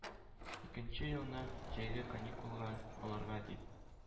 Икенче елны, җәйге каникулга алырга дип,